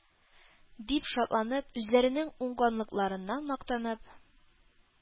Дип шатланып, үзләренең уңганлыкларыннан мактанып,